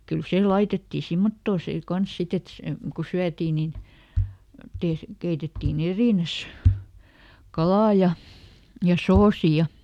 kyllä se laitettiin semmottoon sen kanssa sitten että se kun syötiin niin - keitettiin erinään kala ja ja soosi ja